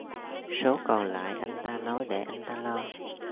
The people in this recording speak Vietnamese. số còn lại anh ta nói để anh ta lo